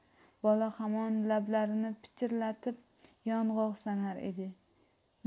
bola hamon lablarini pichirlatib yong'oq sanar edi